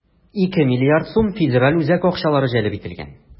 2 млрд сум федераль үзәк акчалары җәлеп ителгән.